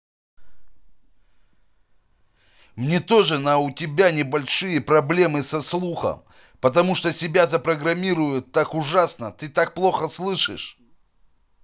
мне тоже на у тебя небольшие проблемы со слухом потому что себя запрограммирует так ужасно ты так плохо слышишь